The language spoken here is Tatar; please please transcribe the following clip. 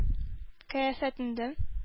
Кыяфәтендә